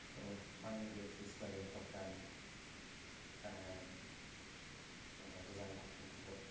So ma' angen i fi actually sgwennu'r dogfen, yym wel y design document y dogf- ...